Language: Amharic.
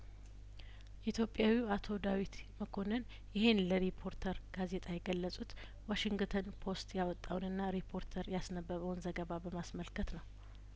ኢትዮጵያዊው አቶ ዳዊት መኮንን ይሄን ለሪፖርተር ጋዜጣ የገለጹት ዋሺንግተን ፖስት ያወጣውንና ሪፖርተር ያስነበበውን ዘገባ በማስመልከት ነው